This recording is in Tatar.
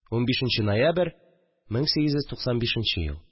15 нче ноябрь, 1895 ел